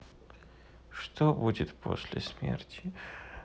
что будет после смерти